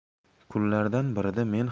kunlardan birida men